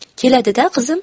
keladi da qizim